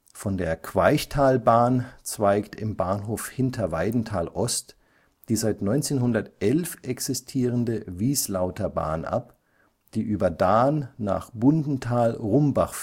Von der Queichtalbahn zweigt im Bahnhof Hinterweidenthal Ost die seit 1911 existierende Wieslauterbahn ab, die über Dahn nach Bundenthal-Rumbach